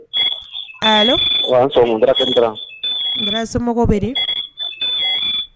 N somɔgɔw bɛ